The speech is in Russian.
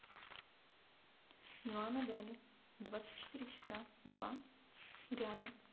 милана дали двадцать четыре часа два ряда